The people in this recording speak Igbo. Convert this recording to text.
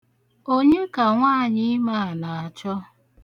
Onye ka nwaànyị̀ime a na-achọ?